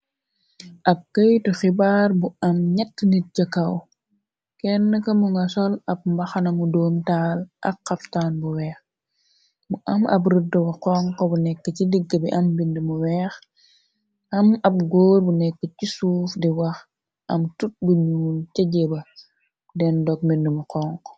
Ab këytu xibaar bu am ñetti nit ca kaw, kenn kabmu nga sol ab mbaxanamu doomtaal ak xaftaan bu weex, mu am ab rudd bu xonxu bu nekk ci digg bi am mbind mu weex, am ab góor bu nekk ci suuf di wax am tut bu ñuul se jeeba denn dog mbindmu xonxo.